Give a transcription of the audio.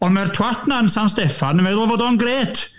Ond mae'r twat 'na yn San Steffan, yn meddwl fod o'n grêt.